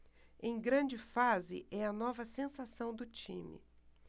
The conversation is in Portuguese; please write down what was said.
em grande fase é a nova sensação do time